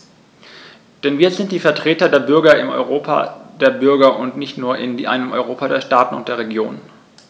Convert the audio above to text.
Denn wir sind die Vertreter der Bürger im Europa der Bürger und nicht nur in einem Europa der Staaten und der Regionen.